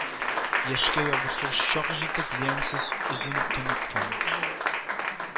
Яшкә ябышыр чак җитеп, ямьсез озын төн үткәнен